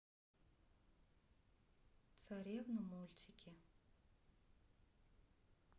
царевна мультики